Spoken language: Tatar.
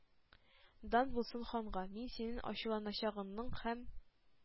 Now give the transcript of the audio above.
— дан булсын ханга, мин синең ачуланачагыңны һәм